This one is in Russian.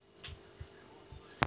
песенка уно